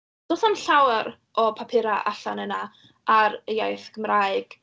Does na'm llawer o papurau allan yna ar y iaith Gymraeg.